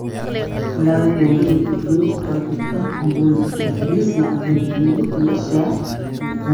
Labo xeero iyo kordhin ku kala jirto bariis iyo cambuulo khamadi iyo shaah iyo bun